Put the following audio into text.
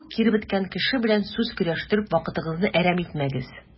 Бу киребеткән кеше белән сүз көрәштереп вакытыгызны әрәм итмәгез.